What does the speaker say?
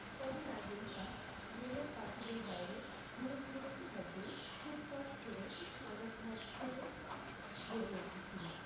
কদিন আগেই তা জেলের পাঁচিলের বাইরে গুড়ুম গুড়ুম শব্দে হুটপাট করে আমরা ঘর ছেড়ে বেরিয়ে এসেছিলাম